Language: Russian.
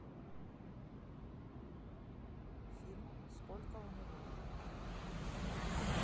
фильм сколько у него